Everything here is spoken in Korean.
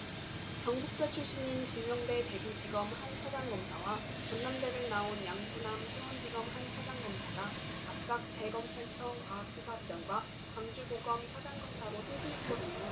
경북대 출신인 김영대 대구지검 한 차장검사와 전남대를 나온 양부남 수원지검 한 차장검사가 각각 대검찰청 과학수사부장과 광주고검 차장검사로 승진했거든요